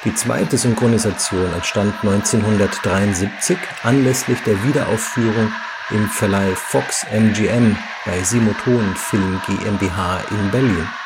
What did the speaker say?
zweite Synchronisation entstand 1973 anlässlich der Wiederaufführung im Verleih Fox-MGM bei Simoton Film GmbH in Berlin